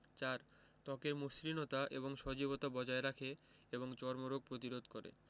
৪. ত্বকের মসৃণতা এবং সজীবতা বজায় রাখে এবং চর্মরোগ প্রতিরোধ করে